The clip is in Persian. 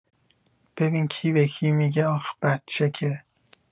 ببین کی به کی می‌گه آخ بچه که